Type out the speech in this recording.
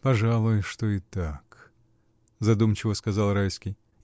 — Пожалуй, что и так, — задумчиво сказал Райский.